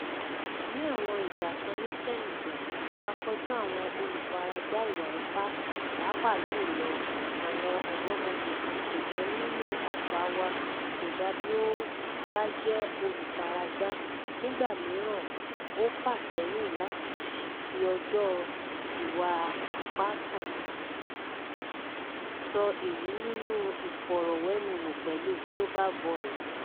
Ní àwọn ìgbà kan ní Senegal, a kojú àwọn olùfaragbà ìwà ipá, pàápàá jùlọ àwọn ọ̀dọ́mọbìnrin, ṣùgbọ́n nínú àṣà wá, kódà bí o bá jẹ́ olùfaragbà, nígbà mìíràn [o] fà sẹ́yìn láti fi ẹjọ́ ìwà ipá sùn, "Sow sọ èyí nínú Ìfọ̀rọ̀wánilẹ́nuwò pẹ̀lú Global Voices.